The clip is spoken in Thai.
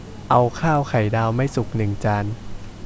เอาข้าวไข่ดาวไม่สุกหนึ่งจาน